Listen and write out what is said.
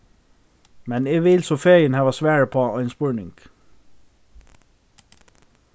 men eg vil so fegin hava svar upp á ein spurning